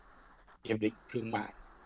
hiệp định thương mại